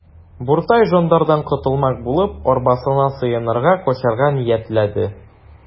Буртай жандардан котылмак булып, арбасына сыенырга, качарга ниятләде.